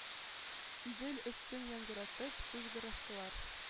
Идел өстен яңгыратып сызгырыштылар.